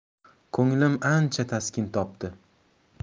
ko'nglim ancha taskin topdi